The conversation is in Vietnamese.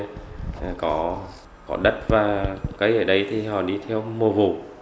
có đất có cây ở đây thì họ đi theo mùa vụ